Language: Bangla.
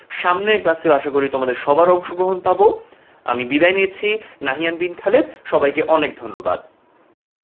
সামনে ক্লাসেও আশা করি তোমাদের সবার অংশগ্রহণ পাবো আমি বিদায় নিচ্ছি নাহিয়ান বিন খালেদ সবাইকে অনেক ধন্যবাদ